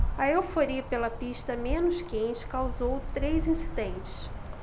a euforia pela pista menos quente causou três incidentes